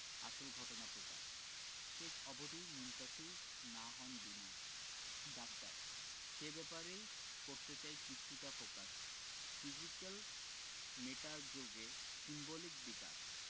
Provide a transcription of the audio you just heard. আসল ঘটনা প্রকাশ শেষ অবধি মুনতাসীর না হন বিনাশ ডাক্তার সে ব্যাপারেই করতে চাই কিছুটা ফোকাস ফিজিক্যাল মেটা যোগে সিম্বলিক বিকাশ